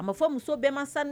A ma fɔ muso bɛɛman